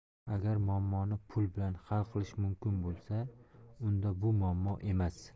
agar muammoni pul bilan hal qilish mumkin bo'lsa unda bu muammo emas